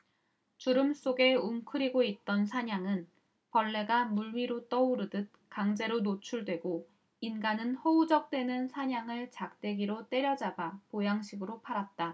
주름 속에 웅크리고 있던 산양은 벌레가 물위로 떠오르듯 강제로 노출되고 인간은 허우적대는 산양을 작대기로 때려잡아 보양식으로 팔았다